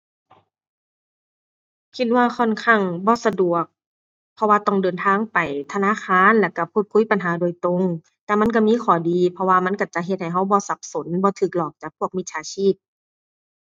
คิดว่าค่อนข้างบ่สะดวก เพราะว่าต้องเดินทางไปธนาคารแล้วก็พูดคุยปัญหาโดยตรง แต่มันก็มีข้อดี เพราะว่ามันก็จะเฮ็ดให้ก็บ่สับสน บ่ก็หลอกจากพวกมิจฉาชีพ